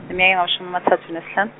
amathatu nasihla-.